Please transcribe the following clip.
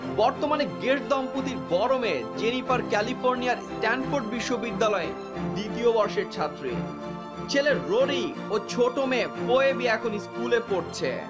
বর্তমানে গেটস দম্পতির বড় মেয়ে জেনিফার ক্যালিফোর্নিয়ার স্ট্যানফোর্ড বিশ্ববিদ্যালয়ের দ্বিতীয় বর্ষের ছাত্রী ছেলে রোরি ও ছোট মেয়ে পয়েবি এখন স্কুলে পড়ছে